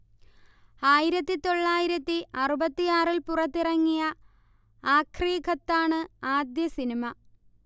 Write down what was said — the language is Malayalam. ആയിരത്തി തൊള്ളായിരത്തി അറുപത്തിയാറിൽ പുറത്തിറങ്ങിയ 'ആഖ്രി ഖത്താ' ണ് ആദ്യ സിനിമ